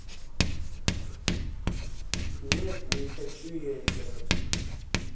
нет не хочу я играть